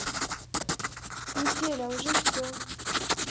метель а уже все